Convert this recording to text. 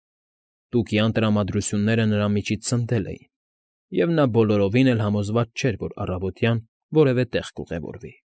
Տուկյան տրամադրությունները նրա միջից ցնդել էին, և նա բոլորովին էլ համոզված չէր, որ առավոտյան որևէ տեղ կուղևորվի։